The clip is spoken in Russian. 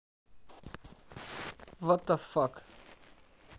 water fuck